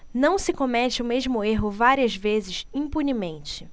não se comete o mesmo erro várias vezes impunemente